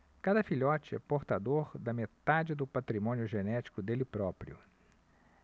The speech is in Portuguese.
cada filhote é portador da metade do patrimônio genético dele próprio